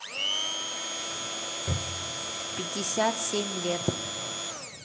пятьдесят семь лет